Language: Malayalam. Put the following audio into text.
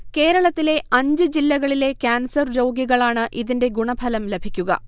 കേരളത്തിലെ അഞ്ച് ജില്ലകളിലെ കാൻസർ രോഗികളാണ് ഇതിന്റെ ഗുണഫലം ലഭിക്കുക